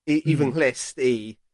i i...Hmm. ...fy nghlust i